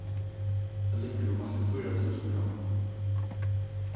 tað liggur um eini fýra túsund krónur